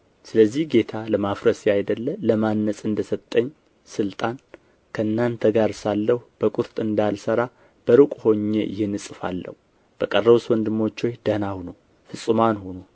ስለዚህ ጌታ ለማፍረስ ያይደለ ለማነጽ እንደ ሰጠኝ ሥልጣን ከእናንተ ጋር ሳለሁ በቁርጥ እንዳልሠራ በሩቅ ሆኜ ይህን እጽፋለሁ በቀረውስ ወንድሞች ሆይ ደኅና ሁኑ ፍጹማን ሁኑ